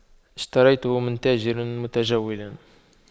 اشتريته من تاجر متجول